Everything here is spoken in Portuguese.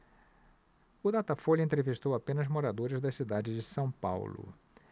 o datafolha entrevistou apenas moradores da cidade de são paulo